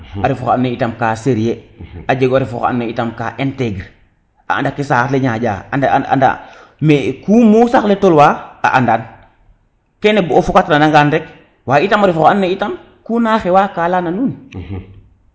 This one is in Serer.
a ref oxa ando na itam ka serieux a jego refo xa itam ka integre anda ke saax le ñaƴa a anda ku mu saax le tolwa a andan kene bo o fokat ra ngan rek waye itama aref oxa ando naye itam kuna xewa ka leyana nuun